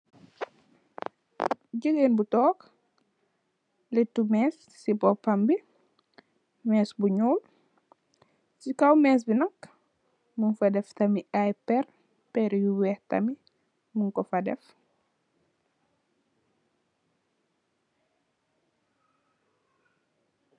Gigeen bu tok lettuce mess si bopambi messbu ñul si kaw messbu nak mungfa deff tamit ayy perr perryu wekh tamit mungkofa deff